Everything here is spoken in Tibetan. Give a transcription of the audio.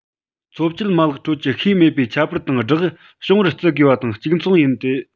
འཚོ བཅུད མ ལག ཁྲོད ཀྱི ཤེས མེད པའི ཁྱད པར དང སྦྲགས བྱུང བར བརྩི དགོས པ དང གཅིག མཚུངས ཡིན ཏེ